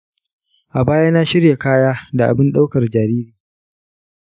a baya na shirya kaya da abin ɗaukan jariri.